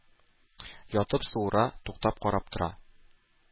Ятып суыра, туктап карап тора,